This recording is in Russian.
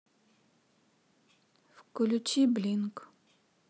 включи блинк